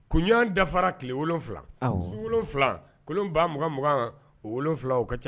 Kunɲɔgɔn dafara tile wolon wolonwula sun wolon wolonwula kolon ba makanugan o wolonwula o ka ca